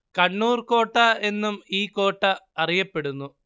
കണ്ണൂര്‍ കോട്ട എന്നും ഈ കോട്ട അറിയപ്പെടുന്നു